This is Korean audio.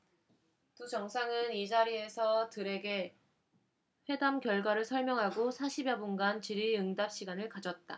두 정상은 이 자리에서 들에게 회담 결과를 설명하고 사십 여분간 질의응답 시간을 가졌다